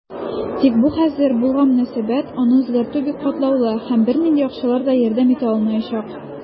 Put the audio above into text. Тик бу хәзер булган мөнәсәбәт, аны үзгәртү бик катлаулы, һәм бернинди акчалар да ярдәм итә алмаячак.